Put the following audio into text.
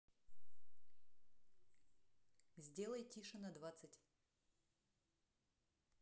сделай тише на двадцать